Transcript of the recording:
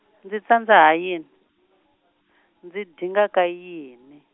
ndzi tsandza ha yini, ndzi dingaka yini?